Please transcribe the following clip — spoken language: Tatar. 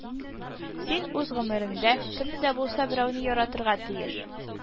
Син үз гомереңдә кемне дә булса берәүне яратырга тиеш